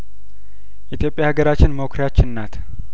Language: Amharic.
ኢትዮጵያ ሀገራችን መኩሪያችን ናት